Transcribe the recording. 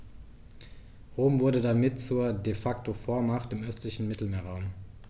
Rom wurde damit zur ‚De-Facto-Vormacht‘ im östlichen Mittelmeerraum.